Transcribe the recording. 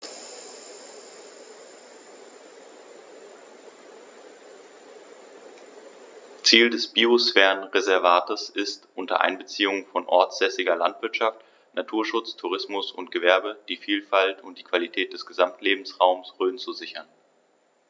Ziel dieses Biosphärenreservates ist, unter Einbeziehung von ortsansässiger Landwirtschaft, Naturschutz, Tourismus und Gewerbe die Vielfalt und die Qualität des Gesamtlebensraumes Rhön zu sichern.